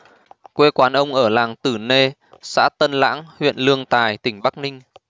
quê quán ông ở làng tử nê xã tân lãng huyện lương tài tỉnh bắc ninh